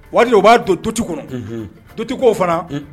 Wari u b'a don totigiw kɔnɔ totigiwko fana